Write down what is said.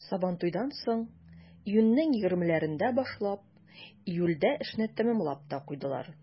Сабантуйдан соң, июньнең 20-ләрендә башлап, июльдә эшне тәмамлап та куйдылар.